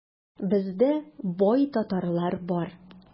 Бездә бай татарлар бар.